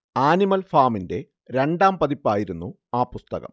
animal ഫാമിന്റെ രണ്ടാം പതിപ്പായിരുന്നു ആ പുസ്തകം